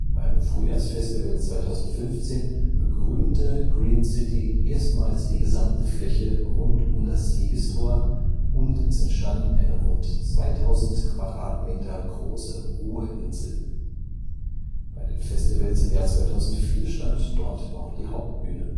Beim Frühjahrsfestival 2015 begrünte Green City erstmals die gesamte Fläche rund um das Siegestor und es entstand eine rund 2000 Quadratmeter große Ruheinsel. Bei den Festivals im Jahr 2004 stand dort noch die Hauptbühne